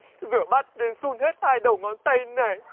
rửa bát đến sun hết hai đầu ngón tay này